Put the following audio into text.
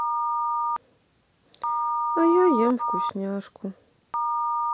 а я ем вкусняшку